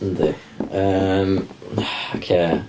Yndi, yym oce.